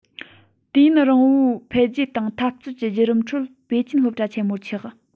དུས ཡུན རིང པོའི འཕེལ རྒྱས དང འཐབ རྩོད ཀྱི རྒྱུད རིམ ཁྲོད པེ ཅིན སློབ གྲྭ ཆེན མོར ཆགས